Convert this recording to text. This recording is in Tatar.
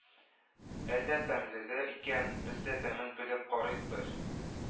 Әллә тәмлеле икән – без дә тәмен белеп карыйк бер